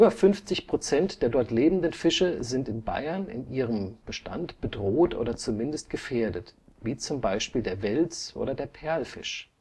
50 % der dort lebenden Fische sind in Bayern in ihrem Bestand bedroht oder zumindest gefährdet, wie z. B. der Wels oder der Perlfisch